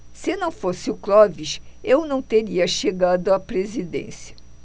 se não fosse o clóvis eu não teria chegado à presidência